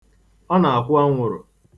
Ọ na-akwụ anwụrụ.